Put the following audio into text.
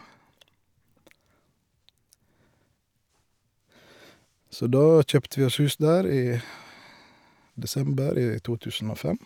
Så da kjøpte vi oss hus der i desember i to tusen og fem.